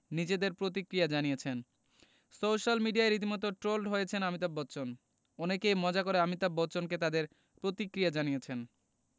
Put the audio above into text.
নিজেদের প্রতিক্রিয়া জানিয়েছেন সোশ্যাল মিডিয়ায় রীতিমতো ট্রোলড হয়েছেন অমিতাভ বচ্চন অনেকেই মজা করে অমিতাভ বচ্চনকে তাদের প্রতিক্রিয়া জানিয়েছেন